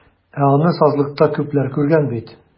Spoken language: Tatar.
Ә аны сазлыкта күпләр күргән бит.